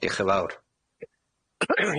Diolch yn fawr.